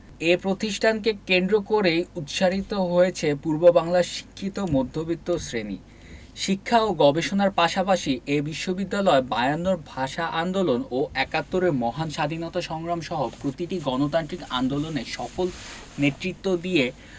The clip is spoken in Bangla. এ প্রতিষ্ঠানকে কেন্দ্র করেই উৎসারিত হয়েছে পূর্ববাংলার শিক্ষিত মধ্যবিত্ত শ্রেণি শিক্ষা ও গবেষণার পাশাপাশি এ বিশ্ববিদ্যালয় বায়ান্নর ভাষা আন্দোলন ও একাত্তরের মহান স্বাধীনতা সংগ্রাম সহ প্রতিটি গণতান্ত্রিক আন্দোলনে সফল নেতৃত্ব দিয়ে